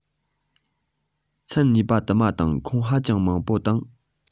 ཚན གཉིས པ དུ མ དང ཁོངས ཧ ཅང མང པོ དང